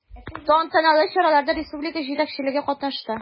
Тантаналы чараларда республика җитәкчелеге катнашты.